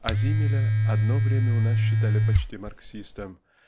А Зиммеля одно время у нас считали почти марксистом